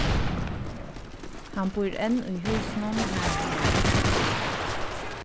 hann býr enn í húsunum har hann varð føddur